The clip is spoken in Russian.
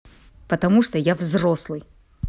потому что я взрослый